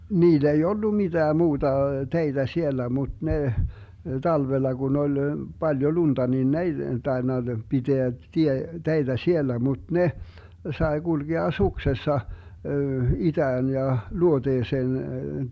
niillä ei ollut mitään muuta teitä siellä mutta ne talvella kun oli paljon lunta niin ne ei tainnut pitää - teitä siellä mutta ne sai kulkea suksessa itään ja luoteeseen